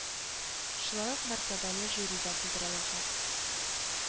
Шулай ук мәртәбәле жюри да булдырылачак